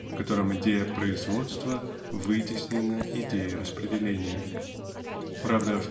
в котором идея производства вытеснена идеей распределения. Правда